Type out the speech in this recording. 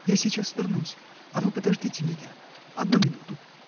Я сейчас вернусь, а вы подождите меня. одну минуту.